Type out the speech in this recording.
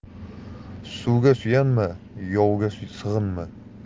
suvga suyanma yovga sig'inma